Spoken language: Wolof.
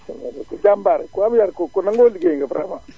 danga nekk ku jambaare ku am yar ku nangoo liggéey nga vraiment